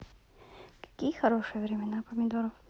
какие хорошие времена помидоров